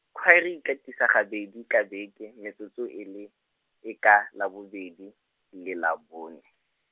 khwaere e ikatisa gabedi ka beke metsotso e le, e ka, labobedi, le Labone.